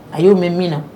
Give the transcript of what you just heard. A y'o mɛn min na